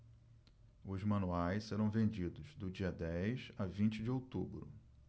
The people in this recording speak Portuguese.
os manuais serão vendidos do dia dez a vinte de outubro